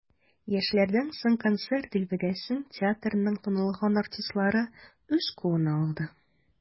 Яшьләрдән соң концерт дилбегәсен театрның танылган артистлары үз кулына алды.